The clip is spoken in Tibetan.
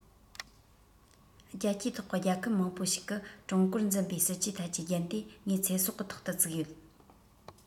རྒྱལ སྤྱིའི ཐོག གི རྒྱལ ཁབ མང པོ ཞིག གི ཀྲུང གོར འཛིན པའི སྲིད ཇུས ཐད ཀྱི རྒྱན དེ ངའི ཚེ སྲོག གི ཐོག ཏུ བཙུགས ཡོད